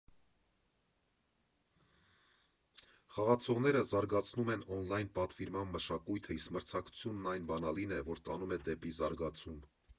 Խաղացողները զարգացնում են օնլայն պատվիրման մշակույթը, իսկ մրցակցությունն այն բանալին է, որը տանում է դեպի զարգացում։